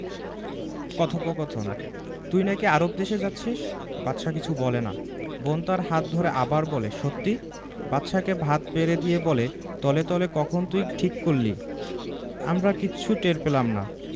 কথোপকথন তুই নাকি আরব দেশে যাচ্ছিস বাদশা কিছু বলে না বোন তার হাত ধরে আবার বলে সত্যি বাদশাকে ভাত বেড়ে দিয়ে বলে তলে তলে কখন তুই ঠিক করলি আমরা কিচ্ছু টের পেলাম না